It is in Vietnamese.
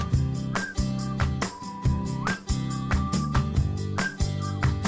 anh chị mình quen